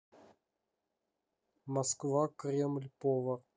москва кремль повар